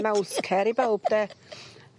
...mouth care i bowb 'de.